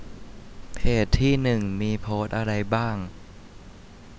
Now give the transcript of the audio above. เพจที่หนึ่งมีโพสต์อะไรบ้าง